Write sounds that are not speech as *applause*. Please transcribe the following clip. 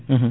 *hesitation* *hesitation*